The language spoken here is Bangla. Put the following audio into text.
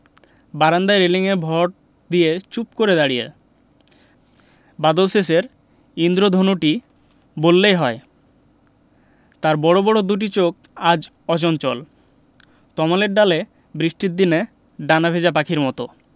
বারান্দায় রেলিঙে ভর দিয়ে চুপ করে দাঁড়িয়ে বাদলশেষের ঈন্দ্রধনুটি বললেই হয় তার বড় বড় দুটি চোখ আজ অচঞ্চল তমালের ডালে বৃষ্টির দিনে ডানা ভেজা পাখির মত